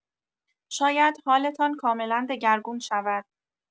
شاید حالتان کاملا دگرگون شود.